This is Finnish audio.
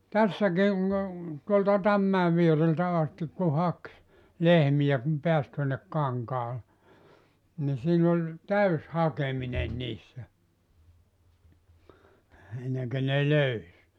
tässäkin tuolta Tammimäen viereltä asti kun haki lehmiä kun pääsi tuonne kankaalle niin siinä oli täysi hakeminen niissä ennen kuin ne löysi